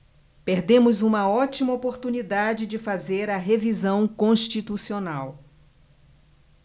perdemos uma ótima oportunidade de fazer a revisão constitucional